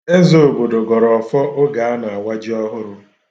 Eze obodo gọrọ ọfọ oge a na-awa ji ọhụrụ.